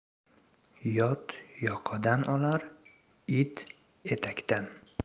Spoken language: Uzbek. yot yoqadan olar it etakdan